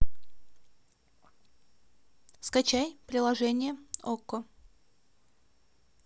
скачай приложение окко